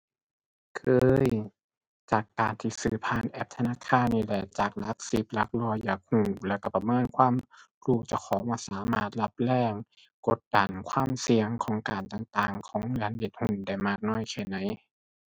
เคย จากการที่ซื้อผ่านแอปธนาคารนี่แหละ จากหลักสิบ หลักร้อย อยากรู้ แล้วรู้ประเมินความรู้เจ้าของว่าสามารถรับแรงกดดัน ความเสี่ยงของการต่างต่าง ของการเล่นหุ้นได้มากน้อยแค่ไหน